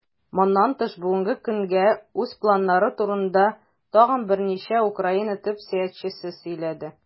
Моннан тыш, бүгенге көнгә үз планнары турында тагын берничә Украина топ-сәясәтчесе сөйләде.